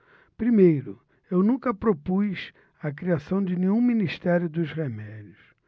primeiro eu nunca propus a criação de nenhum ministério dos remédios